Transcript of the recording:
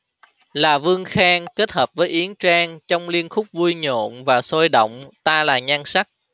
là vương khang kết hợp với yến trang trong liên khúc vui nhộn và sôi động ta là nhan sắc